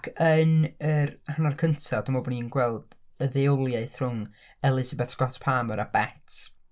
Ac yn yr hanner cynta dwi'n meddwl bo' ni'n gweld y ddeuoliaeth rhwng Elizabeth Scott Palmer a Bet.